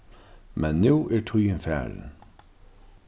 men nú er tíðin farin